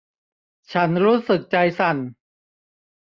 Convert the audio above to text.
ฉันรู้สึกใจสั่น